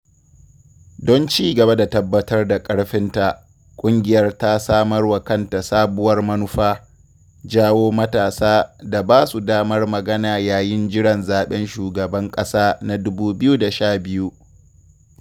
Don ci gaba da tabbatar da ƙarfinta, ƙungiyar ta samarwa kanta sabuwar manufa: jawo matasa da ba su damar magana yayin jiran zaɓen shugaban ƙasa na 2012.